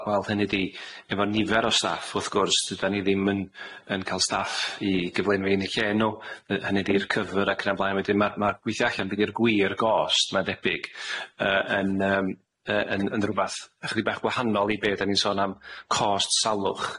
Wel, hynny 'di efo nifer o staff wrth gwrs dydan ni ddim yn yn ca'l staff i gyflenwi yn eu lle n'w, yy hynny 'di'r cyfyr ac yn y blaen wedyn ma' ma' gweithio allan be' 'di'r gwir gost ma' debyg yy yn yym yy yn yn rwbath chydig bach gwahanol i be' 'dan ni'n sôn am cost salwch.